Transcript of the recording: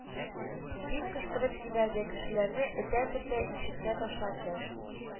Дип кычкырып җибәрде кешеләрне этә-төртә ишеккә ташланды